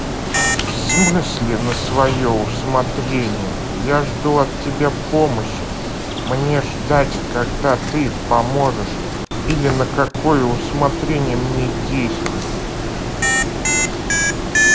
в смысле на свое усмотрение я жду от тебя помощи мне ждать когда ты поможешь или на какое усмотрение мне действует